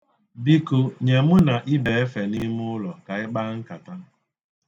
Biko, nye mụ na Ibe efe n'imụlọ ka anyi kpaa nkata.